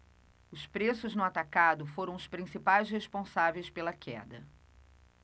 os preços no atacado foram os principais responsáveis pela queda